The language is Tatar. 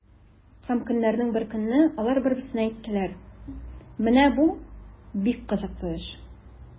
Һәм көннәрдән бер көнне алар бер-берсенә әйттеләр: “Менә бу бик кызыклы эш!”